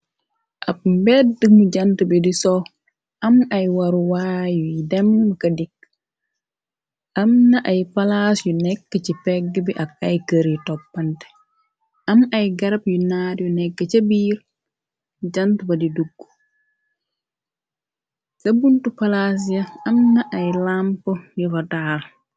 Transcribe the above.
Ab mbedd mu jant bi di soo am ay waruwaayuy demnmaka digg am na ay Palaas yu nekk ci pegg bi ak ay kër yi toppante am ay garab yu naat yu nekk ca biir jànt ba di dugg sa buntu palaasia am na ay lamp lirataar.